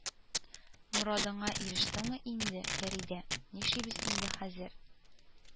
Морадыңа ирештеңме инде, Фәридә, нишлибез инде хәзер